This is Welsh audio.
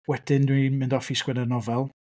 Wedyn dwi'n mynd off i sgwennu'r nofel.